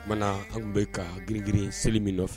O kumana an kun bɛ ka girin girin seli min nɔfɛ